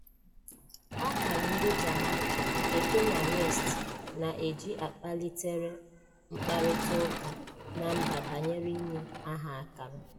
Ákàrà ndị Jamaica nke Kanye West na-eji kpalitere mkparịtaụka na mba banyere inye aha ákàrà'